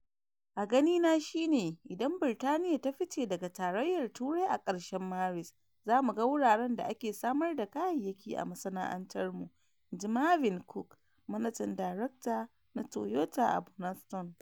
“A gani na shi ne idan Britaniya ta fice daga Tarayyar Turai a ƙarshen Maris za mu ga wuraren da ake samar da kayayyaki a masana'antarmu," in ji Marvin Cooke, Manajan Darakta na Toyota a Burnaston.